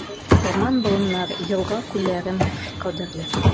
Урман-болыннар, елга-күлләрем кадерле.